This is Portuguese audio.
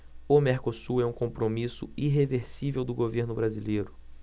o mercosul é um compromisso irreversível do governo brasileiro